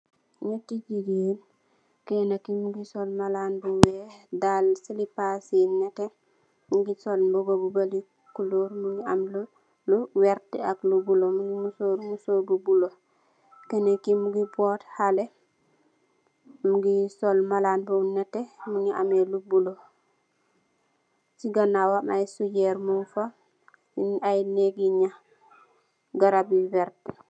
Njehti gigain, kenah kii mungy sol malan bu wekh, daalue slippers yu nehteh, mungy sol mbuba bu bari couleur mungy am lu, lu vert, ak lu bleu, mungy musorru musorr bu bleu, kenen kii mungy bort haleh, mungy sol malan bu nehteh, mungy ameh lu bleu, cii ganawam aiiy sugehrre njung fa, am aiiy nehggi njahh, garab yu vertue.